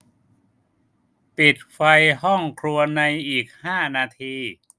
ปิดไฟห้องครัวในอีกห้านาที